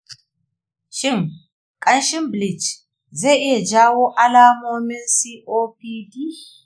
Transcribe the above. shin ƙamshin bleach zai iya jawo alamomin copd?